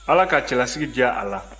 ala ka cɛlasigi diya a la